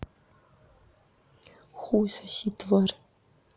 хуй соси тварь